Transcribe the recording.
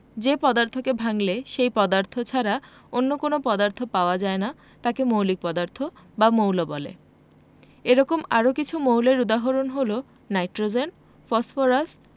যে পদার্থকে ভাঙলে সেই পদার্থ ছাড়া অন্য কোনো পদার্থ পাওয়া যায় না তাকে মৌলিক পদার্থ বা মৌল বলে এরকম আরও কিছু মৌলের উদাহরণ হলো নাইট্রোজেন ফসফরাস